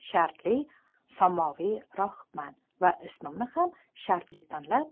shartli samoviy rohibman va ismimni ham shartli tanlab